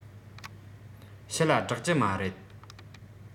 ཕྱི ལ བསྒྲགས ཀྱི མ རེད